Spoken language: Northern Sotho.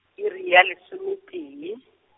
iri ya lesometee.